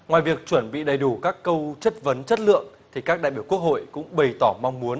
ngoài việc chuẩn bị đầy đủ các câu chất vấn chất lượng thì các đại biểu quốc hội cũng bày tỏ mong muốn